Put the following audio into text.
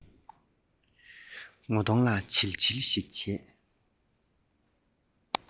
ངོ གདོང ལ བྱིལ བྱིལ ཞིག བྱས